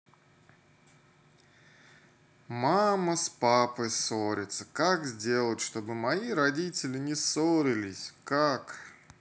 мама с папой ссорятся как сделать чтобы мои родители не ссорились как